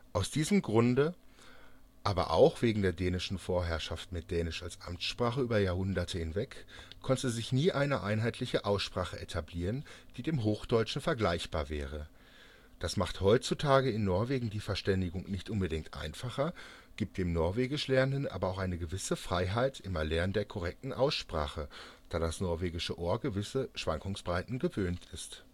Aus diesem Grunde, aber auch wegen der dänischen Vorherrschaft mit Dänisch als Amtssprache über Jahrhunderte hinweg, konnte sich nie eine einheitliche Aussprache etablieren, die dem Hochdeutschen vergleichbar wäre. Das macht heutzutage in Norwegen die Verständigung nicht unbedingt einfacher, gibt dem Norwegisch Lernenden aber auch eine gewisse Freiheit im Erlernen der korrekten Aussprache, da das norwegische Ohr gewisse Schwankungsbreiten gewöhnt ist